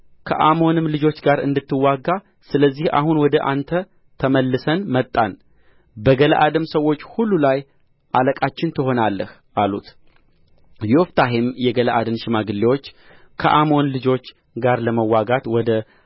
ከአሞንም ልጆች ጋር እንድትዋጋ ስለዚህ አሁን ወደ አንተ ተመልሰን መጣን በገለዓድም ሰዎች ሁሉ ላይ አለቃችን ትሆናለህ አሉት ዮፍታሔም የገለዓድን ሽማግሌዎች ከአሞን ልጆች ጋር ለመዋጋት ወደ